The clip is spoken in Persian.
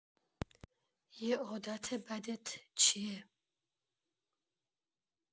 یه عادت بدت چیه؟